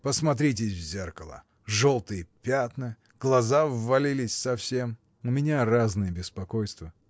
— Посмотритесь в зеркало: желтые пятна, глаза ввалились совсем. — У меня разные беспокойства.